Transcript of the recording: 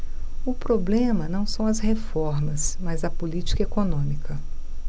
o problema não são as reformas mas a política econômica